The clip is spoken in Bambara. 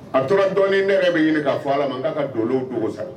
A tora dɔɔnin ne yɛrɛ bɛ ɲini k'a fɔ a la ma n'a ka don dogo sa